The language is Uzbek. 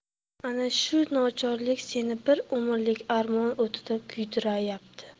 ana shu nochorlik seni bir umrlik armon o'tida kuydiryapti